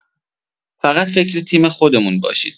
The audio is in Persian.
فقط فکر تیم خودمون باشید